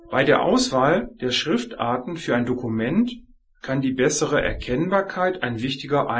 Bei der Auswahl der Schriftarten für ein Dokument kann die bessere Erkennbarkeit ein wichtiger